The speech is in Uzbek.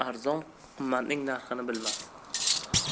arzon qimmatning narxini bilmas